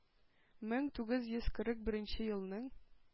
Мең тугыз йөз кырык беренче елның